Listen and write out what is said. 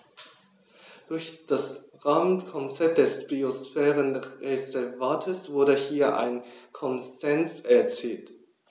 Durch das Rahmenkonzept des Biosphärenreservates wurde hier ein Konsens erzielt.